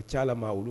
A ci ma olu